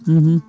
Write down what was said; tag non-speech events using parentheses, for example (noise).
(hesitation) (hesitation)